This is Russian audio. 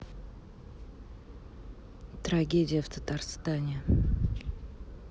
трагедия в татарстане